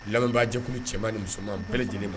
Lamɛnbaa jɛk cɛman ni musoman bɛɛ lajɛlen ma